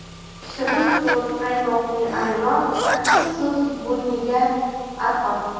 shirin so'z qaymoqli ayron achchiq so'z bo'yniga arqon